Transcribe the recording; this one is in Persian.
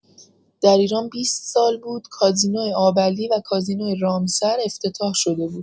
در ایران ۲۰ سال بود «کازینو آب علی» و «کازینو رامسر» افتتاح‌شده بود